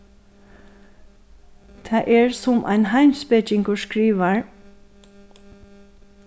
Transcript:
tað er sum ein heimspekingur skrivar